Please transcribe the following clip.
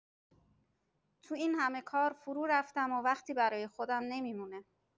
تو این همه کار فرورفتم و وقتی برا خودم نمی‌مونه.